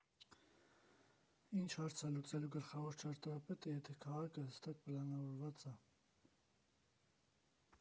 Ինչ հարց ա լուծելու գլխավոր ճարտարապետը, եթե քաղաքը հստակ պլանավորված ա։